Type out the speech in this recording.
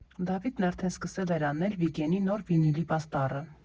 Դավիթն արդեն սկսել էր անել Վիգենի նոր վինիլի պաստառը։